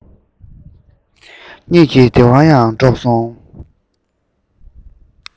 གཉིད ཀྱི བདེ བ ཡང དཀྲོགས སོང